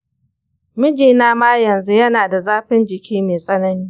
mijina ma yanzu yana da zafin jiki mai tsanani.